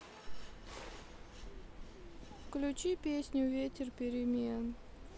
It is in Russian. включи песню ветер перемен